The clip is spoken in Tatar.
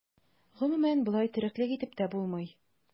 Гомумән, болай тереклек итеп тә булмый.